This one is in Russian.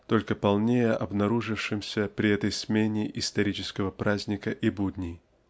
только полнее обнаружившемся при этой смене исторического праздника и будней